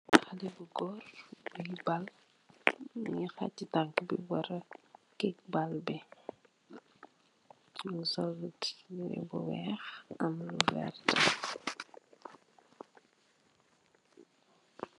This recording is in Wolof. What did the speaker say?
Xale bo goor bui baal mongi xaci tanka bi bapare kick baal bi mongi sol yere bu weex am lu werta.